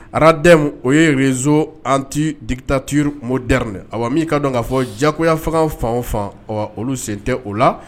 Arad o ye yenzo an tɛ dtatiri mɔdɛrɛme a min'i ka dɔn k kaa fɔ jagoya fanga fan fan olu sen tɛ o la